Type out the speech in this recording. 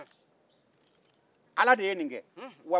ala de ye nin kɛ